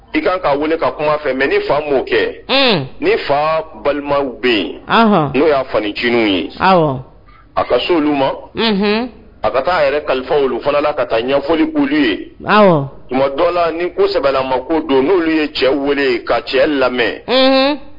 I kan ka weele ka kuma fɛ mɛ ni fa'o kɛ ni fa balimaw bɛ yen n'o y'a facininw ye a ka so olu ma a ka taa yɛrɛ kalifa olu fana la ka taa ɲɛfɔli g ye tuma dɔn ni ko kosɛbɛ ma ko don n'olu ye cɛ weele ye ka cɛ lamɛn